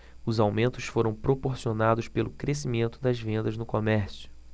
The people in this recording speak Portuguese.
os aumentos foram proporcionados pelo crescimento das vendas no comércio